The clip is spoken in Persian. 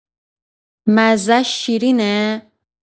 مزه‌ش شیرینه؟